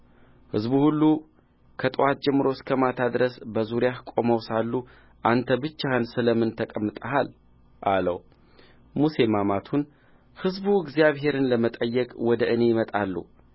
ሕዝቡ ሁሉ ከጥዋት ጀምሮ እስከ ማታ ድረስ በዙሪያህ ቆመው ሳሉ አንተ ብቻህን ስለ ምን ተቀምጠሃል አለው ሙሴም አማቱን ሕዝቡ እግዚአብሔርን ለመጠየቅ ወደ እኔ ይመጣሉ